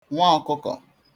nwa ọ̀kụkọ̀